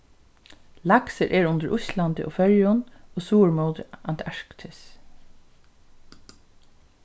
laksur er undir íslandi og føroyum og suður móti antarktis